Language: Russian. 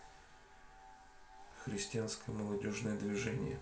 христианское молодежное движение